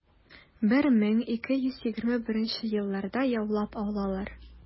1221 елларда яулап алалар.